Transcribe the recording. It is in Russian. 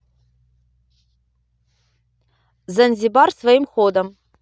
занзибар своим ходом